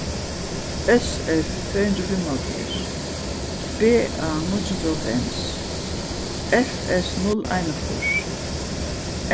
s f tvey hundrað og fimmoghálvfjerðs b a níggju hundrað og hálvfems f s null einogfýrs